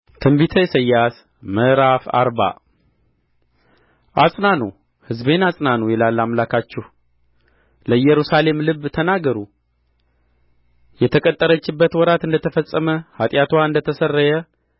ትንቢተ ኢሳይያስ ምዕራፍ አርባ አጽናኑ ሕዝቤን አጽናኑ ይላል አምላካችሁ ለኢየሩሳሌም ልብ ተናገሩ የተቀጠረችበት ወራት እንደ ተፈጸመ ኃጢአትዋም እንደ ተሰረየ